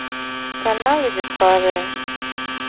каналы дискавери